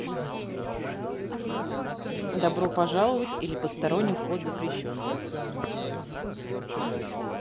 добро пожаловать или посторонним вход запрещен